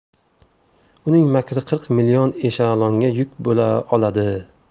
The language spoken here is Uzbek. uning makri qirq million eshelonga yuk bo'la oladi